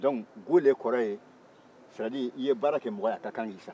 gole kɔrɔ ye i ye baara kɛ mɔgɔ ye a ka kan k'i sara